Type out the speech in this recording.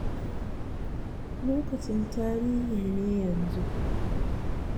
"Lokacin tarihi ne yanzu."